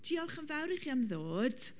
Diolch yn fawr i chi am ddod.